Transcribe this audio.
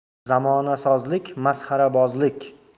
zamonasozlik masxarabozlik